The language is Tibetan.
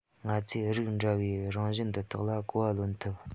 ང ཚོས རིགས འདྲ བའི རང བཞིན འདི དག ལ གོ བ ལོན ཐུབ